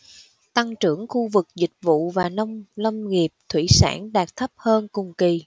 tăng trưởng khu vực dịch vụ và nông lâm nghiệp thủy sản đạt thấp hơn cùng kỳ